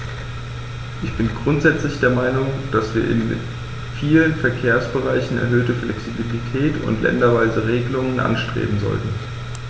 Ich bin grundsätzlich der Meinung, dass wir in vielen Verkehrsbereichen erhöhte Flexibilität und länderweise Regelungen anstreben sollten.